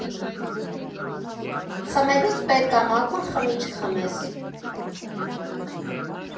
Խմելուց պետք ա մաքուր խմիչք խմես։